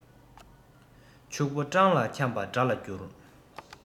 ཕྱུག པོ སྤྲང ལ འཁྱམས པ དགྲ ལ འགྱུར